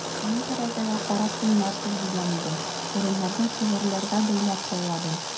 Мин тәрәзәгә карап тыңларсыз дигән идем: урыннарны шигырьләргә бәйләп сайладым.